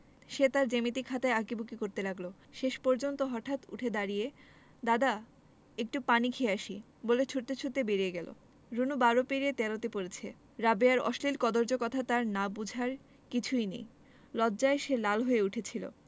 সে তার জ্যামিতি খাতায় আঁকিঝুকি করতে লাগলো শেষ পর্যন্ত হঠাৎ উঠে দাড়িয়ে দাদা একটু পানি খেয়ে আসি বলে ছুটতে ছুটতে বেরিয়ে গেল রুনু বারো পেরিয়ে তেরোতে পড়েছে রাবেয়ার অশ্লীল কদৰ্য কথা তার না বুঝার কিছুই নেই লজ্জায় সে লাল হয়ে উঠেছিলো